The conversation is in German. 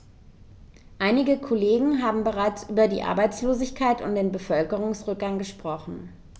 Einige Kollegen haben bereits über die Arbeitslosigkeit und den Bevölkerungsrückgang gesprochen.